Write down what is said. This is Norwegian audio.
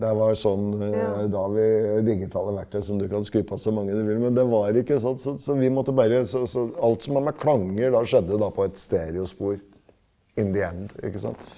det her var sånn da vi digitale verktøy som du kan skru på så mange du vil men det var ikke sånt, så så vi måtte bare så så alt som har med klanger da skjedde da på et stereospor ikke sant.